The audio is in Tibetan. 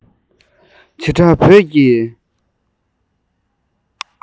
བྱེ བྲག བོད ཀྱི